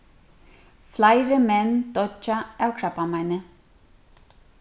fleiri menn doyggja av krabbameini